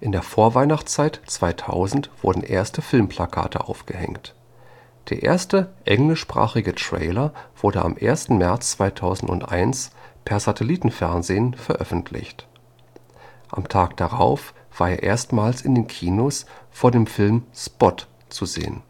der Vorweihnachtszeit 2000 wurden erste Filmplakate aufgehängt. Der erste englischsprachige Trailer wurde am 1. März 2001 per Satellitenfernsehen veröffentlicht. Am Tag darauf war er erstmals in den Kinos vor dem Film Spot zu sehen